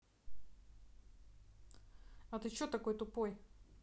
а ты че такой тупой